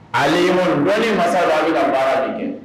Ale m dɔ masa a bɛna na baara de kɛ